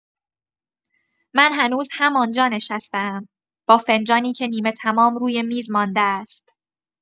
من هنوز همان‌جا نشسته‌ام، با فنجانی که نیمه‌تمام روی میز مانده است.